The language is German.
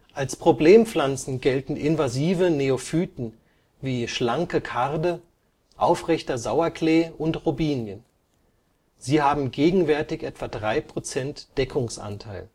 Als Problempflanzen gelten invasive Neophyten wie Schlanke Karde, Aufrechter Sauerklee und Robinien. Sie haben gegenwärtig etwa 3% Deckungsanteil